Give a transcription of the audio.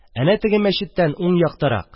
Әнә, теге мәчеттән уң яктарак